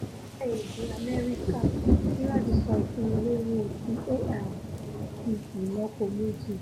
orílẹ̀-èdè U.S. ní láti sọ ìfúnnilówó ti A.I di ìlọ́poméjì